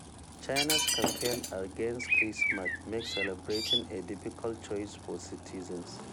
China's campaign against Christmas makes celebrating a difficult choice for citizens